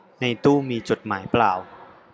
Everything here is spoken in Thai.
ในตู้มีจดหมายเปล่า